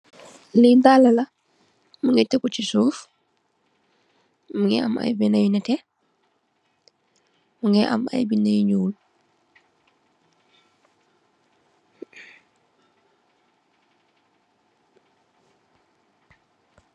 Li dalla la mugii tégu ci suuf, mugii am ay bindé yu netteh mugii am ay bindé yu ñuul.